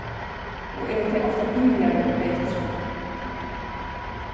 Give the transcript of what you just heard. og eru tey ofta bíligari og betri